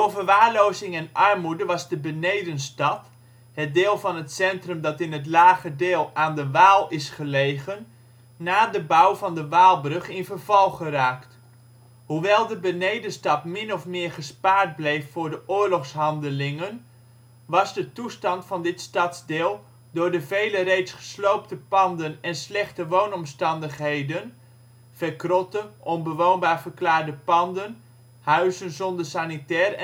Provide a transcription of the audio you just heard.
verwaarlozing en armoede was de Benedenstad (het deel van het centrum dat in het lage deel, aan de Waal, is gelegen) na de bouw van de Waalbrug in verval geraakt. Hoewel de Benedenstad min of meer gespaard bleef voor de oorlogshandelingen, was de toestand van dit stadsdeel door de vele reeds gesloopte panden en slechte woonomstandigheden (verkrotte, onbewoonbaar verklaarde panden, huizen zonder sanitair